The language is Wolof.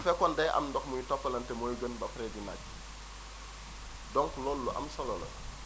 su fekkoon day am ndox muy toopalante mooy gën ba pare di naaj donc loolu lu am solo la